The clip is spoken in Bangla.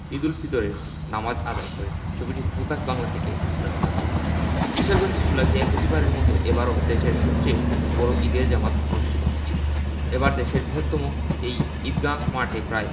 ঈদুল ফিতরের নামাজ আদায় করেন ছবিটি ফোকাস বাংলা থেকে নেয়া হয়েছে কিশোরগঞ্জের শোলাকিয়ায় প্রতিবারের মতো এবারও দেশের সবচেয়ে বড় ঈদের জামাত অনুষ্ঠিত হয়েছে এবার দেশের বৃহত্তম এই ঈদগাহ মাঠে প্রায়